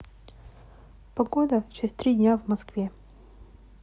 погода через три дня в москве